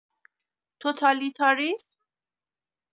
توتالیتاریسم؟